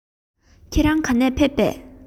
ཁྱེད རང ག ནས ཕེབས པས